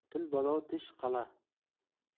til balo tish qal'a